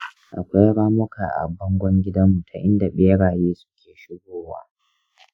akwai ramuka a bangon gidanmu ta inda ɓeraye suke shigowa.